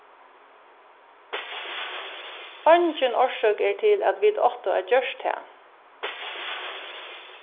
eingin orsøk er til at vit áttu at gjørt tað